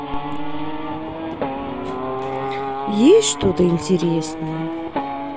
есть что то интереснее